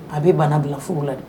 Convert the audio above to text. A bɛ bana bila furu la dɛ